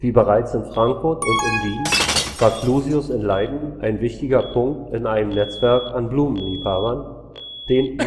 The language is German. bereits in Frankfurt und in Wien war Clusius in Leiden ein wichtiger Punkt in einem Netzwerk an Blumenliebhabern, den